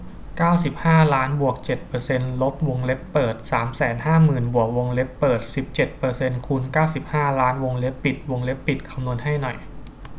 เก้าสิบห้าล้านบวกเจ็ดเปอร์เซนต์ลบวงเล็บเปิดสามแสนห้าหมื่นบวกวงเล็บเปิดสิบเจ็ดเปอร์เซนต์คูณเก้าสิบห้าล้านวงเล็บปิดวงเล็บปิดคำนวณให้หน่อย